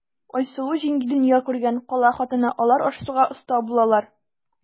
Айсылу җиңги дөнья күргән, кала хатыны, алар аш-суга оста булалар.